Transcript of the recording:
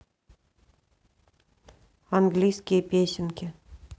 английские песенки